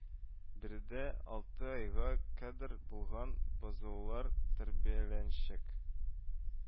Биредә алты айга кадәр булган бозаулар тәрбияләнчек